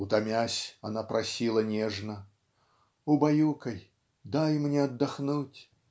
У томясь, она просила нежно: "Убаюкай, дай мне отдохнуть!